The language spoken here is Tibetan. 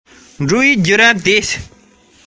མེད པར གསལ པོར མངོན ཐུབ